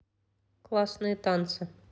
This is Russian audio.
классные танцы